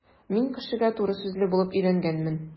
Мин кешегә туры сүзле булып өйрәнгәнмен.